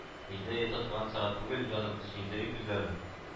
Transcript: Өйдә ята торган сәгать түгел, җаным, сөендерик үзләрен